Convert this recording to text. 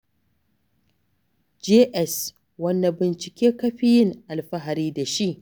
JS: Wanne bincike ka fi yin alfahari da shi?